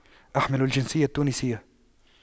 أحمل الجنسية التونسية